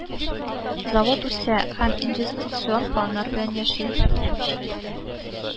Завод үсә һәм инвестицион планнар белән яши